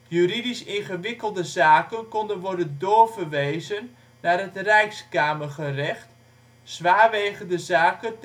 Juridisch ingewikkelde zaken konden worden doorverwezen naar het Rijkskamergerecht, zwaarwegende zaken